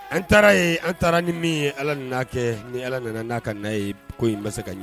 An taara ye an taara ni min ye ala ni n'a kɛ ni ala nana n'a ka n'a ye ko in bɛ se ka ɲɛ